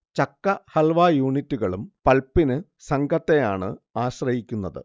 ചക്ക ഹൽവ യൂണിറ്റുകളും പൾപ്പിന് സംഘത്തെയാണ് ആശ്രയിക്കുന്നത്